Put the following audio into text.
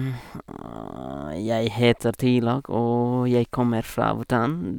Jeg heter Tilak, og jeg kommer fra Bhutan.